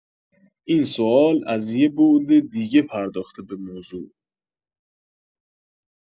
این سوال از یه بعد دیگه پرداخته به موضوع